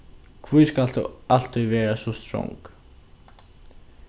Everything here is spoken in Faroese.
hví skalt tú altíð vera so strong